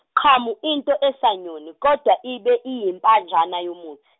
qhamu into esanyoni kodwa ibe iyimpanjana yomuthi.